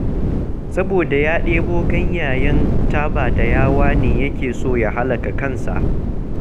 Saboda ya ɗebo ganyayen taba da yawa ne yake so ya halaka kansa.